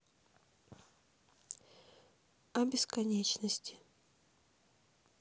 о бесконечности